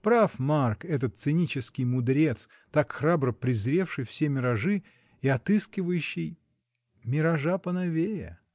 Прав Марк, этот цинический мудрец, так храбро презревший все миражи и отыскивающий. миража поновее!